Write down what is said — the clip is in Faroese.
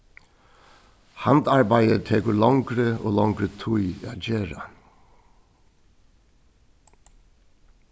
handarbeiði tekur longri og longri tíð at gera